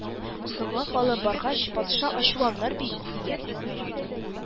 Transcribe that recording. Соңга калып баргач, патша ачуланыр бит! — дигән.